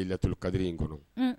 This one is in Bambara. A ye latourukadiri in n kɔnɔ